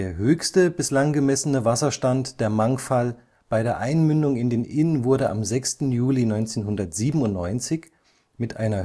höchste bislang gemessene Wasserstand der Mangfall bei der Einmündung in den Inn wurde am 6. Juli 1997 mit einer